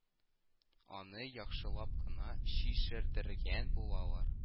Аны яхшылап кына чишендергән булалар